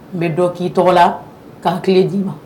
N bɛ dɔ k'i tɔgɔ la k'a tilen d'i ma.